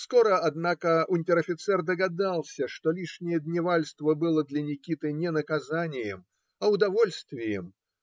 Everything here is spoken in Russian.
Скоро, однако, унтер-офицер догадался, что лишнее дневальство было для Никиты не наказанием, а удовольствием.